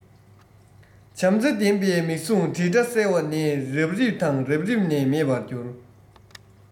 བྱམས བརྩེ ལྡན པའི མིག ཟུང དྲིལ སྒྲ གསལ བ ནས རབ རིབ དང རབ རིབ ནས མེད པར གྱུར